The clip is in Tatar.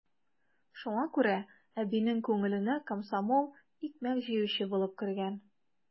Шуңа күрә әбинең күңеленә комсомол икмәк җыючы булып кергән.